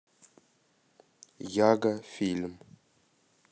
яга фильм